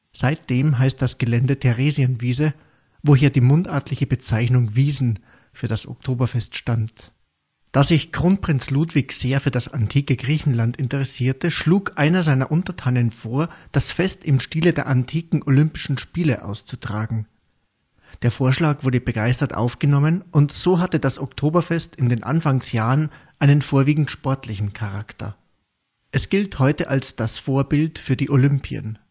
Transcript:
Seitdem heißt das Gelände Theresienwiese, woher die mundartliche Bezeichnung Wiesn für das Oktoberfest stammt. Da sich Kronprinz Ludwig sehr für das antike Griechenland interessierte, schlug einer seiner Untertanen vor, das Fest im Stil der antiken Olympischen Spiele auszutragen. Der Vorschlag wurde begeistert aufgenommen und so hatte das Oktoberfest in den Anfangsjahren einen vorwiegend sportlichen Charakter. Es gilt heute als das Vorbild für die Olympien